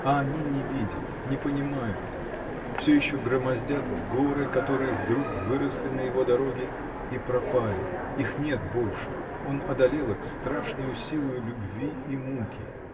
А они не видят, не понимают, всё еще громоздят горы, которые вдруг выросли на его дороге и пропали, — их нет больше: он одолел их страшною силою любви и муки!